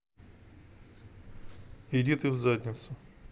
иди ты в задницу